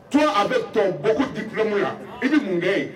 Tɔ a bɛ tɔn bɔ ditimu la i bɛ mun gɛn yen